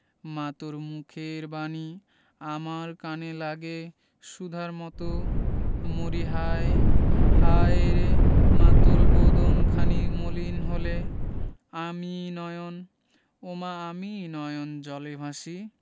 মা তোর মুখের বাণী আমার কানে লাগে সুধার মতো মরি হায় হায় রে মা তোর বদনখানি মলিন হলে আমি নয়ন ও মা আমি নয়নজলে ভাসি